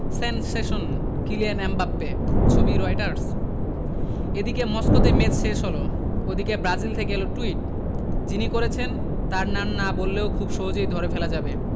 sensation Kylian Mbappe ছবি Reuters এদিকে মস্কোতে ম্যাচ শেষ হলো ওদিকে ব্রাজিল থেকে এল টুইট যিনি করেছেন তাঁর নাম না বললেও খুব সহজেই ধরে ফেলা যাবে